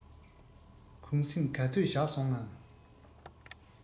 གུང གསེང ག ཚོད བཞག སོང ངམ